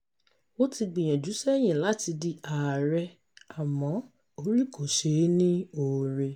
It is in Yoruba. Ó ti gbìyànjú sẹ́yìn láti di ààrẹ àmọ́ orí kò ṣe ní oore.